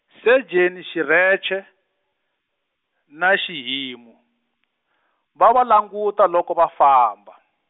Sejeni Xirheche, na Xihimu, va va languta loko va famba.